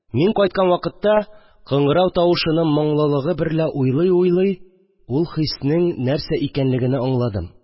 Мин кайткан вакытта, кыңгырау тавышының моңлыгы берлә уйлый-уйлый, ул хиснең нәрсә икәнлегене аңладым